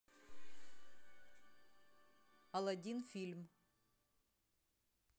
алладин фильм